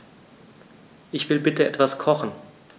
Ich will bitte etwas kochen.